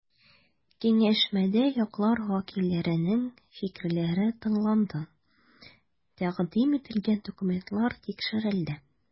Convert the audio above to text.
Киңәшмәдә яклар вәкилләренең фикерләре тыңланды, тәкъдим ителгән документлар тикшерелде.